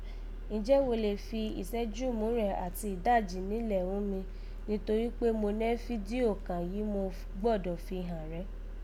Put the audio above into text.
Ǹjẹ́ wo lè fi ìsẹ́jú múrẹ̀n àti ìdajì nílẹ̀ ghún mi, nítorí kpé mo nẹ́ fídíò kàn yìí mo gbọ́dọ̀ fi hàn rẹ́